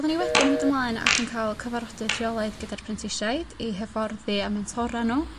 Odda ni wedyn y mynd ymlaen ac yn ca'l cyfarodydd rheolaidd gyda'r prentisiaid i hyfforddi a mentora nw